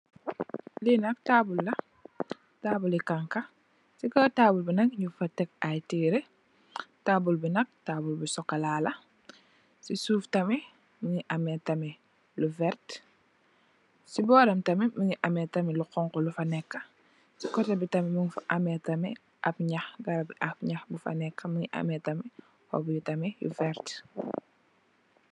Li nak taabul la, taabul li jàngha. Ci kaw taabul bi nak, nung fa tekk ay teereh, taabul bi nak taabul bu sokola, ci suuf tamit mungi ameh tamit lu vert. Ci boram tamit mungi ameh lu honku lu fa nekka, ci kotè bi tamit mung fa ameh tamit ab nëh bu fa nekka tamit hoop yi tamit yu vert.